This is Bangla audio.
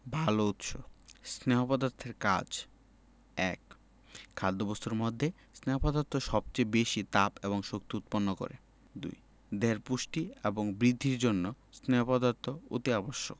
ভালো উৎস স্নেহ পদার্থের কাজ ১. খাদ্যবস্তুর মধ্যে স্নেহ পদার্থ সবচেয়ে বেশী তাপ এবং শক্তি উৎপন্ন করে ২. দেহের পুষ্টি এবং বৃদ্ধির জন্য স্নেহ পদার্থ অতি আবশ্যক